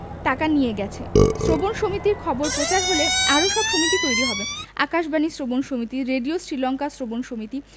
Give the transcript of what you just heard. টাকা নিয়ে গেছে শ্রবণ সমিতির খবর প্রচার হলে আরো সব সমিতি তৈরি হবে আকাশবাণী শ্রবণ সমিতি রেডিও শীলংকা শ্রবণ সমিতি